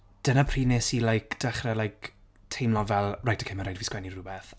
Dyna pryd wnes i like dechrau like teimlo fel right ok mae rhaid i fi sgwennu rhywbeth.